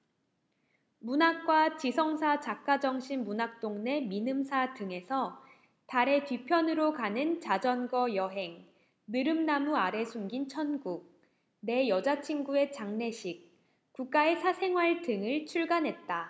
문학과 지성사 작가정신 문학동네 민음사 등에서 달의 뒤편으로 가는 자전거 여행 느릅나무 아래 숨긴 천국 내 여자친구의 장례식 국가의 사생활 등을 출간했다